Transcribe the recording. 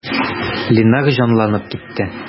Линар җанланып китте.